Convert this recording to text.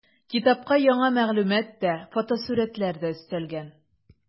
Китапка яңа мәгълүмат та, фотосурәтләр дә өстәлгән.